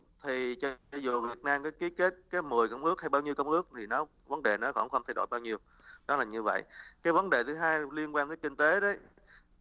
thì cho dù dù việt nam có ký kết kết mười công ước hay bao nhiêu công ước thì nó vấn đề nó vẫn không thay đổi bao nhiêu đó là như vậy cái vấn đề thứ hai liên quan tới kinh tế đấy